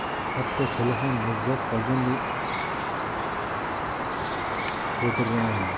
hatto tili ham muzlab qolganday g'o'dirandi